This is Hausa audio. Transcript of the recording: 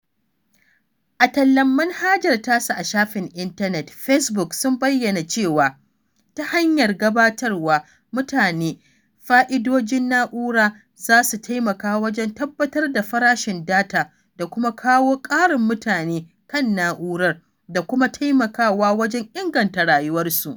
A tallan manhajar tasu a shafin intanet, Facebook sun bayyana cewa "[ta hanyar] gabatarwa mutane fa'idojin na'ura", za su taimaka wajen tabbatar da farashin Data da kuma "kawo ƙarin mutane kan na'ura da kuma taimakawa wajen inganta rayuwarsu."